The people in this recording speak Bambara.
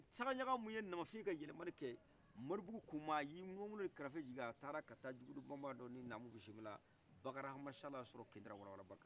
sakaɲaka mun ye nama fin ka yɛlɛmali kɛ mɔribugu kuma ayi munumunu ni karafe juruye ka ta jugudu banbadɔ ni namu bisimila bakara hama sala sɔrɔ kindra walawalajɛ ba kan